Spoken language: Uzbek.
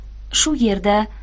shu yerda